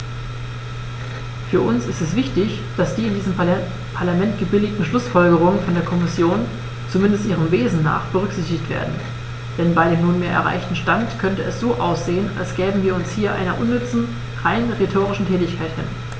Für uns ist es wichtig, dass die in diesem Parlament gebilligten Schlußfolgerungen von der Kommission, zumindest ihrem Wesen nach, berücksichtigt werden, denn bei dem nunmehr erreichten Stand könnte es so aussehen, als gäben wir uns hier einer unnütze, rein rhetorischen Tätigkeit hin.